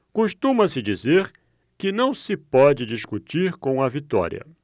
costuma-se dizer que não se pode discutir com a vitória